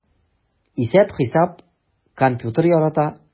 Исәп-хисап, компьютер ярата...